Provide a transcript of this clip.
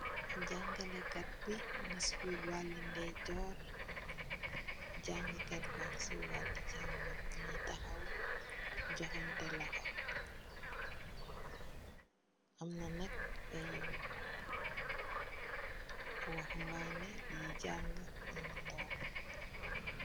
Jàngalekat bi mung ci wali ndejor, jàngkat bi mung ci wali chàmoñ. Ñu tahaw johan tè loho. Amna nag ay wahambane yi jàng nungi toog.